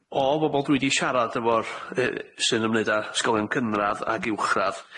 o bobol dwi 'di siarad efo'r yy- sy'n ymwneud â ysgolion cynradd ag uwchradd,